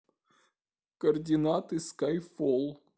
координаты скайфолл